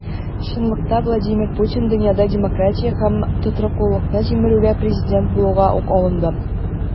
Чынлыкта Владимир Путин дөньяда демократия һәм тотрыклылыкны җимерүгә президент булуга ук алынды.